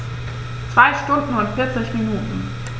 2 Stunden und 40 Minuten